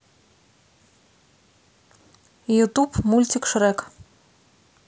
ютуб мультик шрек